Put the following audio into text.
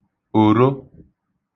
òro